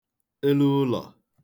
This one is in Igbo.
eluụlọ̀